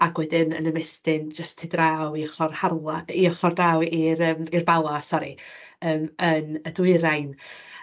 Ac wedyn yn ymestyn jyst tu draw i ochr hawla... i ochr draw i'r yym i'r Bala - sori - yym yn y Dwyrain.